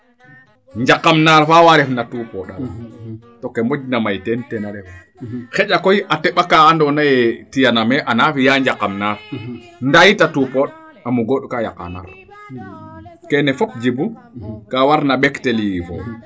njakam naar faa waa ref na tupoɗala to kee moƴna may teen ten refaa xanja koy a teɓaka ando naye tiyaname ana fiya njakam naar ndaa yit a tupooɗ a mugooɗ kaa yaqa nar keene fop Djibu kaa warna ɓektel yiifo